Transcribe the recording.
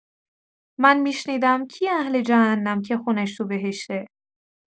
من می‌شنیدم کیه اهل جهنم که خونه‌ش تو بهشته؟